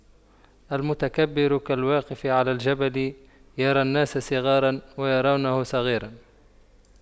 المتكبر كالواقف على الجبل يرى الناس صغاراً ويرونه صغيراً